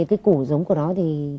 cái củ giống của nó thì